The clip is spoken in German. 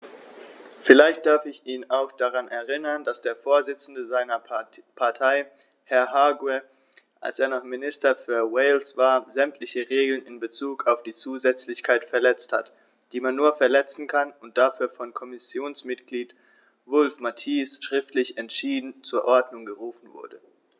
Vielleicht darf ich ihn auch daran erinnern, dass der Vorsitzende seiner Partei, Herr Hague, als er noch Minister für Wales war, sämtliche Regeln in bezug auf die Zusätzlichkeit verletzt hat, die man nur verletzen kann, und dafür von Kommissionsmitglied Wulf-Mathies schriftlich entschieden zur Ordnung gerufen wurde.